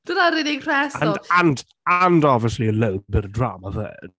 Dyna'r unig rheswm... And and and obviously a little bit of drama 'fyd.